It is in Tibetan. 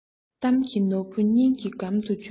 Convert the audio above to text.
གཏམ གྱི ནོར བུ སྙིང གི སྒམ དུ བཅུག